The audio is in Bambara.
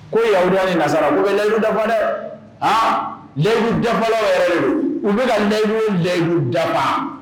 Ko yadu ni nasara u bɛ yidu dafafa dɛ a dafafa u bɛka kakun leyidu dafafa